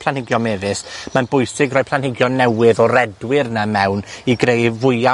planhigion mefus, mae'n bwysig rhoi planhigion newydd o redwyr yna mewn i greu fwya